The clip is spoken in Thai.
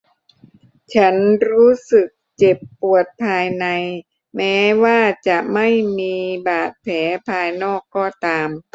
ฉันรู้สึกเจ็บปวดภายในแม้ว่าจะไม่มีบาดแผลภายนอกก็ตาม